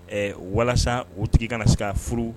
Ɛɛ walasa o tigi ka na se ka furu